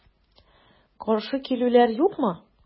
Каршы килүләр юкмы?